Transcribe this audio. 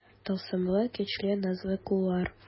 Тылсымлы, көчле, назлы куллар.